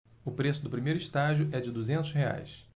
o preço do primeiro estágio é de duzentos reais